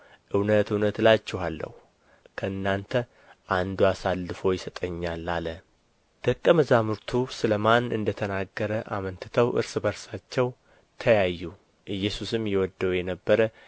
እውነት እውነት እላችኋለሁ ከእናንተ አንዱ አሳልፎ ይሰጠኛል አለ ደቀ መዛሙርቱ ስለ ማን እንደ ተናገረ አመንትተው እርስ በርሳቸው ተያዩ ኢየሱስም ይወደው የነበረ